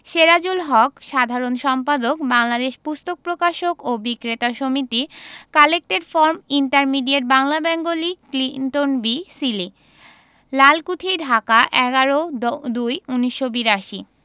সেরাজুল হক সাধারণ সম্পাদক বাংলাদেশ পুস্তক প্রকাশক ও বিক্রেতা সমিতি collected from intermediate Bangla Bengali Clinton B Seely Lalkuthi Dhaka ১১/০২/১৯৮২